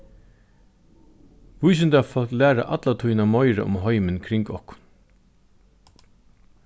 vísindafólk læra alla tíðina meira um heimin kring okkum